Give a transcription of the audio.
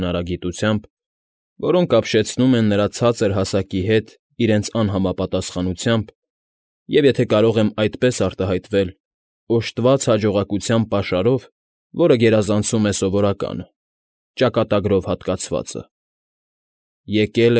Հնարագիտությամբ, որոնք ապշեցնում են նրա ցածր հասակի հետ իրենց անհամապատասխանությամբ և, եթե կարող եմ այդպես արտահայտվել, օժտված հաջողակության պաշարով, որը գերազանցում է սովորականը, ճակատագրով հատկացվածը… Եկել։